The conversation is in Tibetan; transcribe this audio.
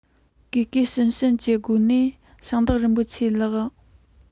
གུས གུས ཞུམ ཞུམ གྱི སྒོ ནས ཞིང བདག རིན པོ ཆེ ལགས